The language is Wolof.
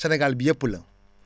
Sénégal bi yëpp la